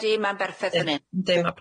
Ydi ma'n berffeth fan'yn.